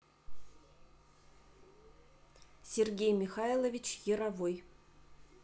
сергей михайлович яровой